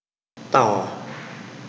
ต่อ